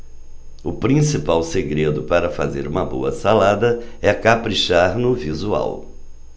o principal segredo para fazer uma boa salada é caprichar no visual